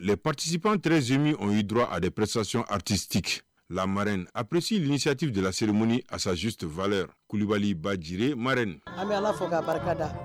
P paretisippterez zeme o ye dɔrɔn a deression atitiki lamaren a pressi cti delasererim azotifaɛlɛ kulibali baji maren alada